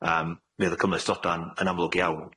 yym mi o'dd y cymhlethdoda'n yn amlwg iawn.